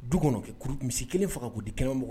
Du kɔnɔ kɛ kurusi kelen faga ko di kɛnɛmɔgɔ